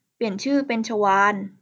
เปลี่ยนชื่อเป็นชวาล